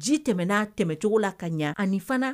Ji tɛmɛna'a tɛmɛcogo la ka ɲa ani fana